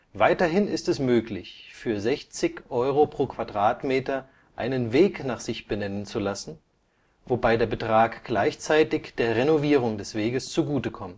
Weiterhin ist es möglich, für 60 Euro pro Quadratmeter einen Weg nach sich benennen zu lassen, wobei der Betrag gleichzeitig der Renovierung des Weges zugutekommt